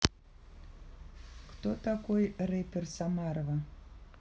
кто такой рэпер самарова